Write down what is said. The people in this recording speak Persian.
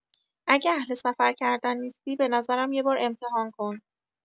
اگه اهل سفر کردن نیستی، به نظرم یه بار امتحان کن.